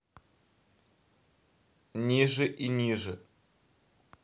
ниже и ниже